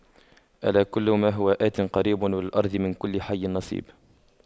ألا كل ما هو آت قريب وللأرض من كل حي نصيب